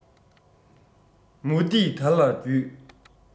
མུ ཏིག དར ལ བརྒྱུས